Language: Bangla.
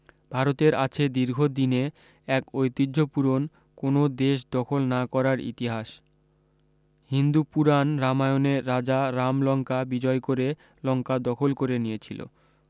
ভারতের আছে দীর্ঘ দিনে এক ঐতিহ্যপুরন কোনো দেশ দখল না করার ইতিহাস হিন্দু পুরাণ রামায়ণে রাজা রাম লংকা বিজয় করে লংকা দখল করে নিয়েছিল